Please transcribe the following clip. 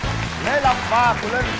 lộc và